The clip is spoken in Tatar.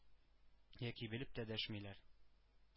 Яки белеп тә дәшмиләр.